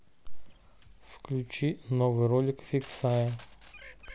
включи новый ролик фиксая